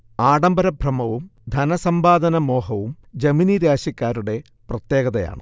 ആഡംബര ഭ്രമവും ധനസമ്പാദന മോഹവും ജമിനി രാശിക്കാരുടെ പ്രത്യേകതയാണ്